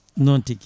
noon tigui